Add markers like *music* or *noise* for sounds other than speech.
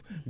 *hesitation* *hesitation*